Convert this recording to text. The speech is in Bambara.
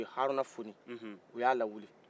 u ye haruna fɔni u y'a la wiili